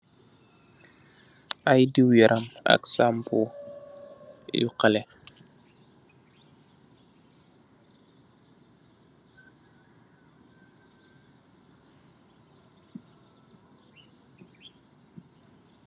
Ay diiw yaram ak sampo yu xalé.